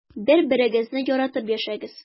Бер-берегезне яратып яшәгез.